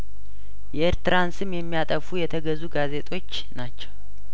የኤርትራን ስም የሚያጠፉ የተገዙ ጋዜጦች ናቸው